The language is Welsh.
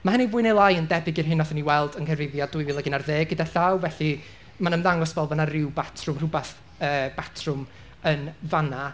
Ma' hynny'n fwy neu lai yn debyg i'r hyn wnaethon ni weld yn nghyfrifiad dwy fil ac unarddeg gyda llaw, felly ma'n ymddangos fel bod 'na ryw batrwm, rhywbeth yy batrwm yn fan'na.